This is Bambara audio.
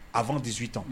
A fana tɛsi tɔn